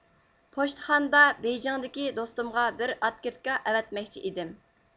پوچتىخانىدا بېيجىڭدىكى دوستۇمغا بىر ئاتكېرتكا ئەۋەتمەكچى ئىدىم